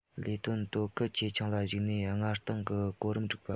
ལས དོན དོ གལ ཆེ ཆུང ལ གཞིགས ནས སྔ རྟིང གི གོ རིམ སྒྲིག པ